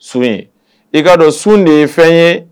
i kaa dɔn sun de ye fɛn ye